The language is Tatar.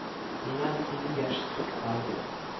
Миңа бит инде яшь тук сан